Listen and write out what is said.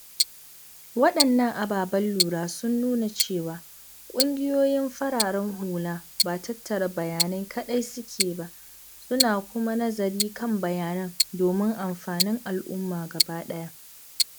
Waɗannan ababen lura sun nuna cewa, ƙungiyoyin fararen hula ba tattara bayanai kaɗai suke ba, suna kuma nazari kan bayanan domin amfanin al’umma gaba ɗaya.